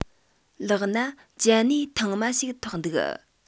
ལག ན ཅན ནེ ཐང མ ཞིག ཐོགས འདུག